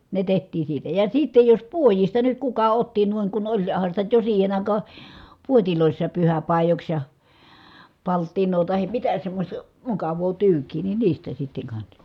ne tehtiin siitä ja sitten jos puodista nyt kuka otti noin kun - olihan sitä jo siihen aikaan puodeissakin pyhäpaidoiksi ja palttinaa tai mitä semmoista mukavaa tyykiä niin niistä sitten kanssa